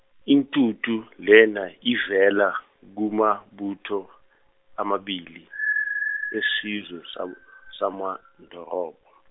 intuthu lena ivela kumabutho amabili esizwe sa samaNdorobo.